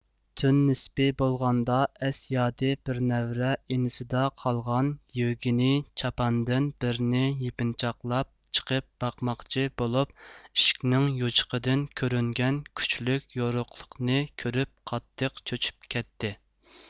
تۈن نىسپبى بولغاندا ئەس يادى بىرنەۋرە ئىنىسىدا قالغان يېۋگېنې چاپاندىن بىرنى يېپىنچاقلاپ چىقىپ باقماقچى بولۇپ ئىشىكنىڭ يوچۇقىدىن كۆرۈنگەن كۈچلۈك يورۇقلۇقنى كۆرۈپ قاتتىق چۆچۈپ كەتتى